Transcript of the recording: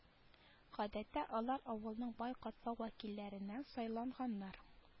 Гадәттә алар авылның бай катлау вәкилләреннән сайланганнар